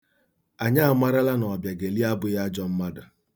Anyị amarala na Ọbịageli abụghị ajọ mmadụ.